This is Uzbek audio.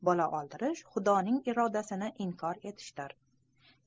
bola oldirish xudoning irodasini inkor etishdir